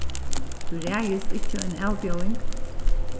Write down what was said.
tú ræðist ikki eina avbjóðing